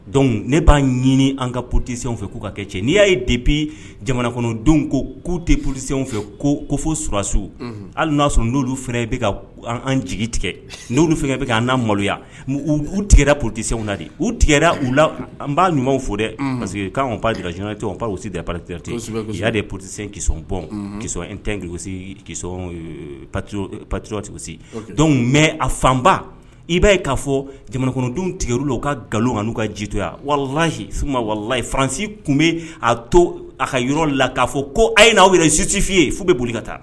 Dɔnku ne b'a ɲini an ka ptese fɛ k'u ka kɛ cɛ nii y'a ye de bi jamana kɔnɔndenw ko kuute porotesisew fɛ ko ko fo suralasiw hali n'a sɔn n' fana bɛka an jigi tigɛ n'olu fɛn bɛ an' maloya u tigɛra porootesew na de u tigɛra u la an b'a ɲumanw fo dɛ parce que k'an pandj te pan u sisi tɛ p patere ten'a ye potesesɔnɔn kisɔn n tɛsi ki patitisi dɔnku mɛ a fanba i b'a ye k'a fɔ jamana kɔnɔndenw tigɛr olu u ka nkalonlo kan n'u ka jito yan walilahiyi walayi faransi tun bɛ' to a ka yɔrɔ la k'a fɔ ko a ye n'a wele zsufin ye fo bɛ boli ka taa